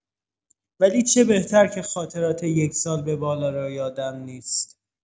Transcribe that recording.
ولی چه بهتر که خاطرات یکسال به بالا را یادم نیست.